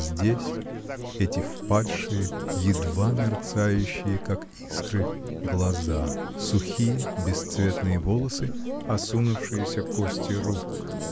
Здесь — эти впадшие, едва мерцающие, как искры, глаза, сухие, бесцветные волосы, осунувшиеся кости рук.